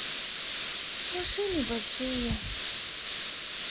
машины большие